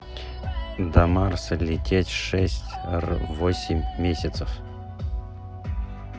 до марса лететь шесть р восемь месяцев